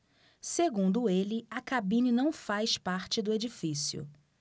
segundo ele a cabine não faz parte do edifício